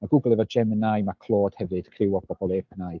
Ma' Google efo Gemini. Ma' Claude hefyd, criw o bobl .